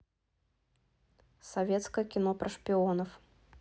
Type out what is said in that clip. советское кино про шпионов